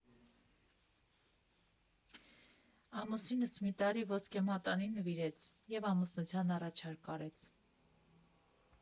Ամուսինս մի տարի ոսկե մատանի նվիրեց և ամուսնության առաջարկ արեց։